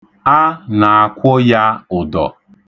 A na-akwụ ya ụdọ.